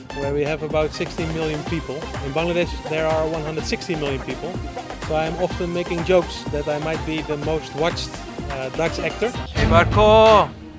ন্ড we have about 60 million people and in Bangladesh there are about one hundred sixteen million people so I am off to making jokes that might be the মো worst actor ever ক